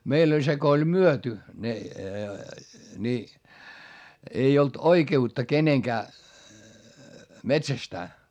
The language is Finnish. meillä oli se kun oli myyty ne niin ei ollut oikeutta kenenkään metsästää